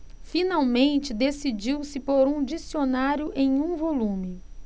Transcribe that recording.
finalmente decidiu-se por um dicionário em um volume